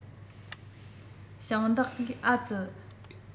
ཞིང བདག གི ཨ ཙི